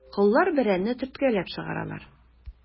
Коллар бәрәнне төрткәләп чыгаралар.